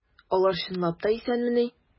Алар чынлап та исәнмени?